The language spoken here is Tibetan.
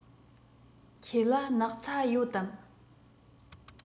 ཁྱེད ལ སྣག ཚ ཡོད དམ